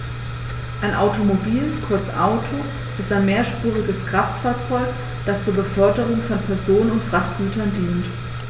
Ein Automobil, kurz Auto, ist ein mehrspuriges Kraftfahrzeug, das zur Beförderung von Personen und Frachtgütern dient.